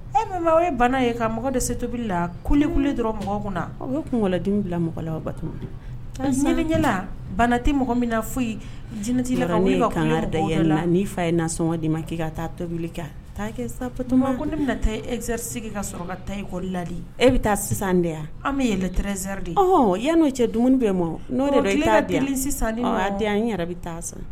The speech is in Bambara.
E min o ye bana ye ka mɔgɔ de se tobili la kole wili dɔrɔn mɔgɔ kɔnɔ o ye kunladen bila mɔgɔ lato bana tɛ mɔgɔ min na foyi jinɛti la da yɛrɛ la ni'i fa ye nasɔn ma kɛ ka taa tobili taa kɛ satoma ne bɛna taa ezrise ka ka taaɔri ladi e bɛ taa sisan de yan an bɛ yɛlɛlɛtrezaliri de ye yan n'o cɛ dumuni bɛ ma n'o sisan diya yɛrɛ bɛ taa san